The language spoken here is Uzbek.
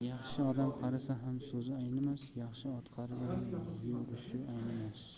yaxshi odam qarisa ham so'zi aynimas yaxshi ot qarisa ham yurishi aynimas